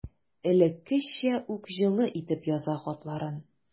Элеккечә үк җылы итеп яза хатларын.